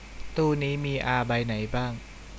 ตู้นี้มีอาใบไหนบ้าง